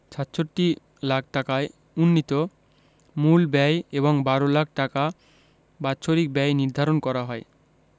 ৬৭ লাখ ঢাকায় উন্নীত মূল ব্যয় এবং ১২ লাখ টাকা বাৎসরিক ব্যয় নির্ধারণ করা হয়